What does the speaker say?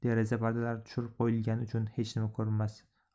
deraza pardalari tushirib qo'yilgani uchun hech nima ko'rinmas